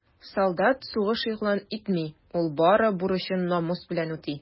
Солдат сугыш игълан итми, ул бары бурычын намус белән үти.